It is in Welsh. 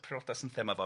Priodas yn thema fel.